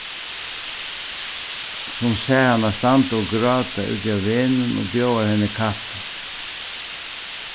sum sær hana standa og gráta úti á vegnum og bjóðar henni kaffi